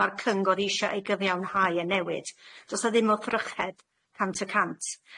ma'r cyngor isio i gyfiawnhau y newid. Do's 'a ddim wrthrychedd cant y cant.